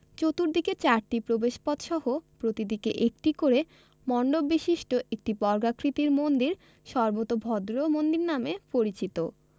চতুর্দিকে চারটি প্রবেশপথসহ প্রতিদিকে একটি করে মন্ডপ বিশিষ্ট একটি বর্গাকৃতির মন্দির সর্বোতভদ্র মন্দির নামে পরিচিত